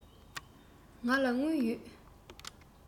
ང ལ དངུལ ཡོད